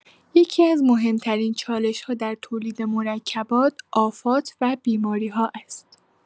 یکی‌از مهم‌ترین چالش‌ها در تولید مرکبات، آفات و بیماری‌ها است.